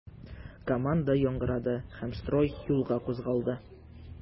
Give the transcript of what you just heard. Команда яңгырады һәм строй юлга кузгалды.